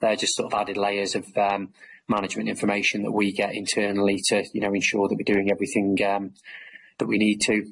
They're just sort of added layers of erm management information that we get internally to you know ensure that we're doing everything erm that we need to.